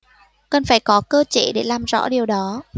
cần phải có cơ chế để làm rõ điều đó